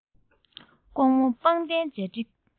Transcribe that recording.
ཀོང མོ པང གདན འཇའ འགྲིག